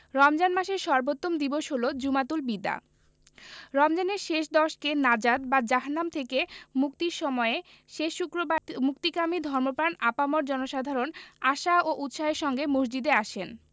রমজান মাসের সর্বোত্তম দিবস হলো জুমাতুল বিদা রমজানের শেষ দশকে নাজাত বা জাহান্নাম থেকে মুক্তির সময়ে শেষ শুক্রবারে মুক্তিকামী ধর্মপ্রাণ আপামর জনসাধারণ আশা ও উৎসাহের সঙ্গে মসজিদে আসেন